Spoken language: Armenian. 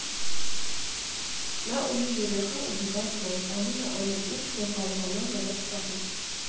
Նա ունի երեխա ու հիվանդ մայր, անում է ամեն ինչ, որ կարողանա նրանց պահել։